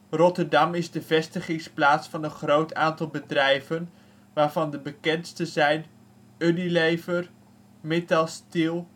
Rotterdam is de vestigingsplaats van een groot aantal bedrijven, waarvan de bekendste zijn: Unilever, Mittal Steel